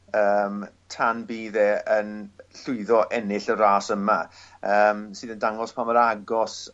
yym tan bydd e yn llwyddo ennill y ras yma yym sydd yn dangos pa mor agos